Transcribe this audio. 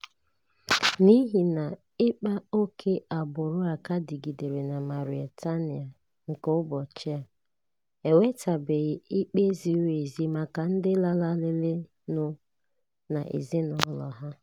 N'ihi na ịkpa oke agbụrụ a ka dịgidere na Mauritania nke ụbọchị a, e nwetabeghị ikpe ziri ezi maka ndị lanarịrịnụ na ezinụlọ ha.